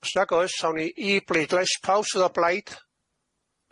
Os nag oes, awn ni i bleidlais pawb sydd o blaid,